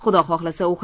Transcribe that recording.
xudo xohlasa